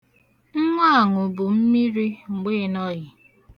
Nwa a ṅụbu mmiri mgbe ị nọghị.